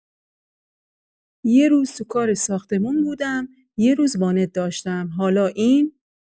یه روز تو کار ساختمون بودم، یه روز وانت داشتم، حالا این.